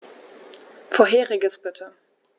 Vorheriges bitte.